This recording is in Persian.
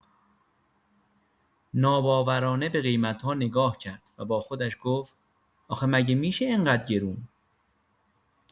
ناباورانه به قیمت‌ها نگاه کرد و با خودش گفت: آخه مگه می‌شه اینقدر گرون؟